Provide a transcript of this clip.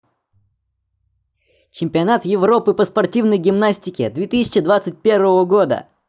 чемпионат европы по спортивной гимнастике две тысячи двадцать первого года